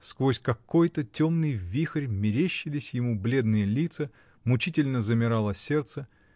сквозь какой-то темный вихрь мерещились ему бледные лица мучительно замирало сердце